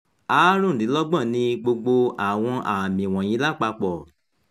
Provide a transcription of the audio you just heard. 25 ni gbogbo àwọn àmì wọ̀nyí lápapọ̀.